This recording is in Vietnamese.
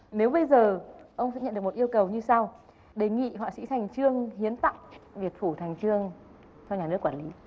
nếu bây giờ ông sẽ nhận được một yêu cầu như sau đề nghị họa sĩ thành chương hiến tặng biệt phủ thành chương cho nhà nước quản lý